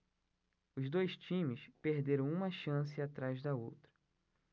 os dois times perderam uma chance atrás da outra